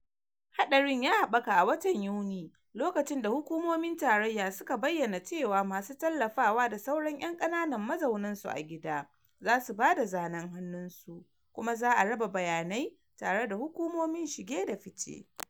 Haɗarin ya haɓaka a watan Yuni, lokacin da hukumomin tarayya suka bayyana cewa masu tallafawa da sauran 'yan ƙananan mazaunan su a gida zasu bada zanen hannun su, kuma za a raba bayanai tare da hukumomin shige da fice.